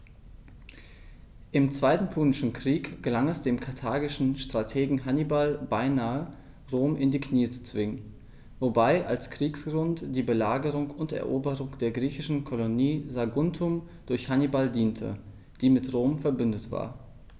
Im Zweiten Punischen Krieg gelang es dem karthagischen Strategen Hannibal beinahe, Rom in die Knie zu zwingen, wobei als Kriegsgrund die Belagerung und Eroberung der griechischen Kolonie Saguntum durch Hannibal diente, die mit Rom „verbündet“ war.